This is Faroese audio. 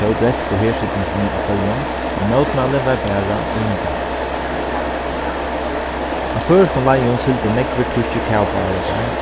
bretsku hersetingini av føroyum men mótmælið var bara ímyndarligt á føroyskum leiðum sigldu nógvir týskir kavbátar